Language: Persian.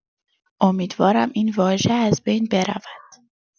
امیدوارم این واژه از بین برود.